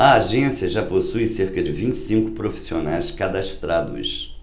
a agência já possui cerca de vinte e cinco profissionais cadastrados